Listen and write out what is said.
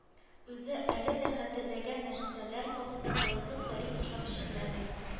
Үзе әле дә хәтерләгән нәрсәләр хакында борынгы тарих ошап җитмәде